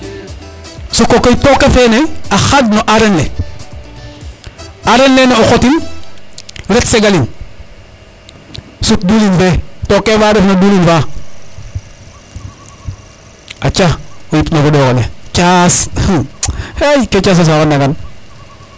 soko koy toke fene a xaad no areer le areer lene o xotin ret segalin sut diwlin fe toke fa ref no diwlin fa acao yip no xundoxole cas xay ke o casasa o an angan